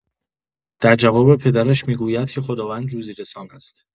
در جواب پدرش می‌گوید که خداوند روزی‌رسان است.